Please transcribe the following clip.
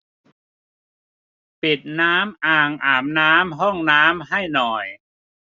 ปิดน้ำอ่างอาบน้ำห้องน้ำให้หน่อย